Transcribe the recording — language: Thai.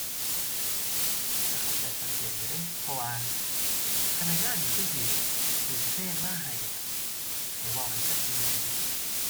ก็เข้าใจก็เจนอยู่เดะ เพราะว่าพนักงานก็คือสิก็เทรนมาให้แบบ ให้เว้าให้ก็เจนน่ะแหม